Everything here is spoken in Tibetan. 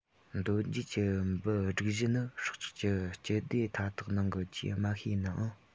གདོད སྐྱེས ཀྱི འབུ སྒྲིག གཞི ནི སྲོག ཆགས ཀྱི སྤྱི སྡེ མཐའ དག ནང གི ཆེས དམའ ཤོས ཡིན ནའང